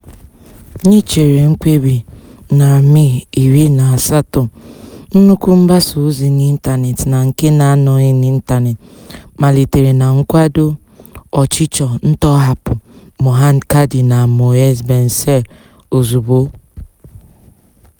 N'ichere mkpebi na Mee 18, nnukwu mgbasaozi n'ịntanetị na nke na-anọghị n'ịntanetị malitere na nkwado ọchịchọ ntọhapụ Mohand Kadi na Moez Benncir ozugbo.